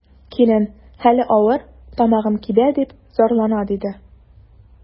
Килен: хәле авыр, тамагым кибә, дип зарлана, диде.